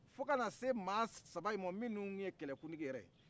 fo ka na se maa saba in ma minnu ye kɛlɛkuntigi yɛrɛ ye